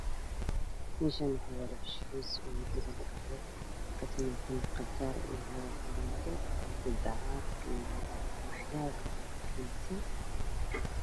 Meshan waxa yalo waji dhaq oo waji lagu dhaqdo oo kasamaysan waxyabo kaleeto iyo dacar wax yaabo kaleeto ka samaysan